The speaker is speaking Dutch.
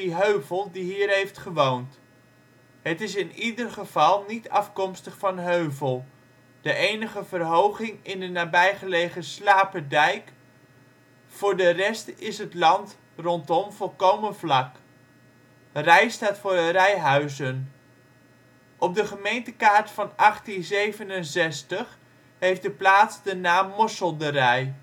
Heuvel die hier heeft gewoond. Het is in ieder geval niet afkomstig van " heuvel "- de enige verhoging is de nabijgelegen slaperdijk, voor de rest is het land rondom volkomen vlak. Rij staat voor een rij huizen. Op de gemeentekaart van 1867 heeft de plaats de naam Mosselderij